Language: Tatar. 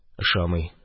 Ошамый.